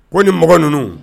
Ko ni mɔgɔ ninnu